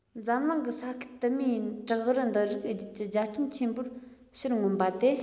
འཛམ གླིང གི ས ཁུལ དུ མའི བྲག རི འདི རིགས ཀྱི རྒྱ ཁྱོན ཆེན པོ ཕྱིར མངོན པ དེ